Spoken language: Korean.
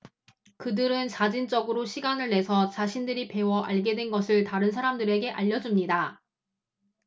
그들은 자진적으로 시간을 내서 자신들이 배워 알게 된 것을 다른 사람들에게 알려 줍니다